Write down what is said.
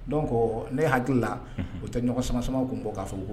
Donc ne hakili la o tɛ ɲɔgɔn sama sama kun bɔ ka fɔ